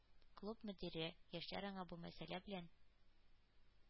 Клуб мөдире, яшьләр аңа бу мәсьәлә белән